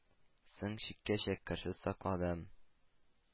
Соң чиккәчә керсез сакладым.